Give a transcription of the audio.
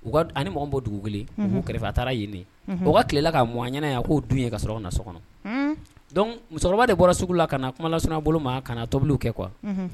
U ani mɔgɔw bɔ dugu kɛrɛfɛ taara yen u tilala ka mɔn ɲɛna ye k'o dun ye ka u na so kɔnɔ dɔnku musokɔrɔba de bɔra sugu la kana na kumalaso bolo ma kana tobiliw kɛ kuwa